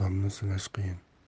odamni sinash qiyin